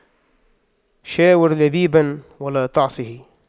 شاور لبيباً ولا تعصه